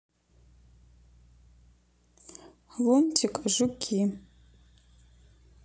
лунтик жуки